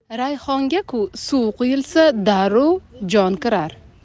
rayhonga ku suv quyilsa darrov jon kirar